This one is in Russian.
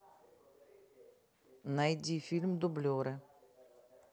найди фильм дублеры